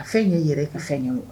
A fɛn ye yɛrɛ i ka fɛn ye o